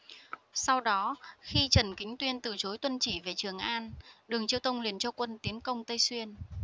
sau đó khi trần kính tuyên từ chối tuân chỉ về trường an đường chiêu tông liền cho quân tiến công tây xuyên